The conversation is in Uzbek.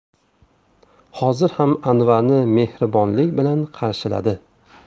hozir ham anvarni mehribonlik bilan qarshiladi